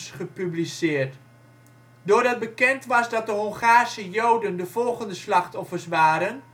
gepubliceerd. Doordat bekend was dat de Hongaarse Joden de volgende slachtoffers waren